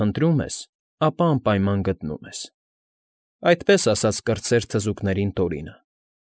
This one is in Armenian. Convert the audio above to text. Փնտրում ես, ապա անպայման գտնում ես»,֊ այդպես ասաց կրտսեր թզուկներին Տորինը։